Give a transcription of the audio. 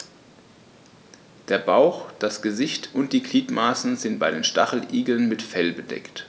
Der Bauch, das Gesicht und die Gliedmaßen sind bei den Stacheligeln mit Fell bedeckt.